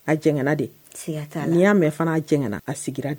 A jgna de n'i y'a mɛn fanagna a sigira